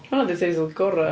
Hwnna 'di'r teitl gora.